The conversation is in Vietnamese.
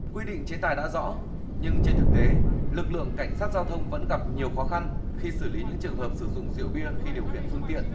quy định chế tài đã rõ nhưng trên thực tế lực lượng cảnh sát giao thông vẫn gặp nhiều khó khăn khi xử lý những trường hợp sử dụng rượu bia khi điều khiển phương tiện